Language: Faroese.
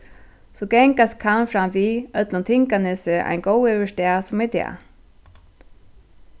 so gangast kann fram við øllum tinganesi ein góðveðursdag sum í dag